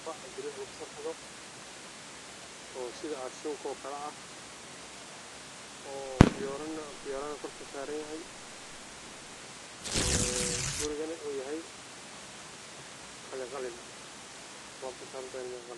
Waa alwaaxyo guryaha lagu dhiso oo fiyooro kor ka saaranyahay